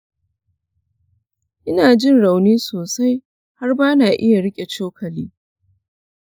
ina jin rauni sosai har ba na iya riƙe cokali.